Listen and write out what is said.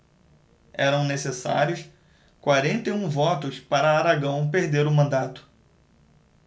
eram necessários quarenta e um votos para aragão perder o mandato